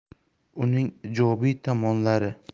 uning ijobiy tomonlari